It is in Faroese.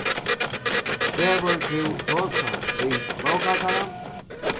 hevur tú tosað við bókhaldaran